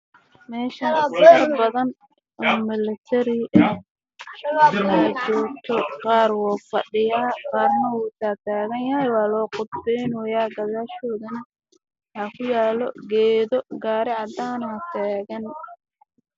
Meshan waa niman badan oo militari ah